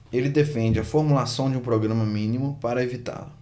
ele defende a formulação de um programa mínimo para evitá-la